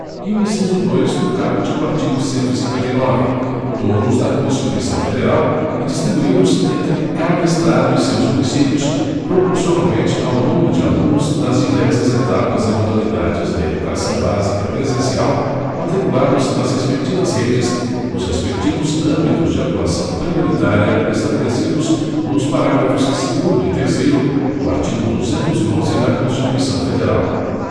e o inciso dois do caput do artigo cento e cinquenta e nove todos da constituição federal e distribuídos entre cada estado e seus municípios proporcionalmente ao número de alunos das diversas etapas e modalidades da educação básica presencial matriculados nas respectivas redes nos respectivos âmbitos de atuação prioritária estabelecidos nos parágrafo segundo e terceiro do artigo duzentos e onze da constituição federal